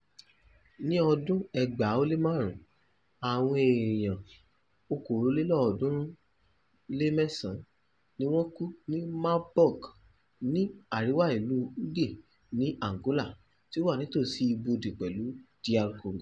Ní ọdún 2005 àwọn èèyàn 329 ni wọ́n kú ní Maburg ní àríwá ìlú Uige ní Angola, tí ó wà ní ìtòsí ibodè pẹ̀lú DR Congo.